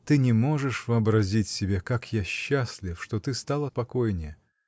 — Ты не можешь вообразить себе, как я счастлив, что ты стала покойнее.